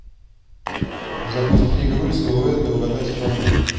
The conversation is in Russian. запусти игру силуэты угадай страну